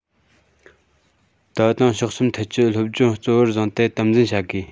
ད དུང ཕྱོགས གསུམ ཐད ཀྱི སློབ སྦྱོང གཙོ བོར བཟུང སྟེ དམ འཛིན བྱ དགོས